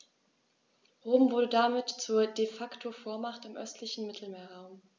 Rom wurde damit zur ‚De-Facto-Vormacht‘ im östlichen Mittelmeerraum.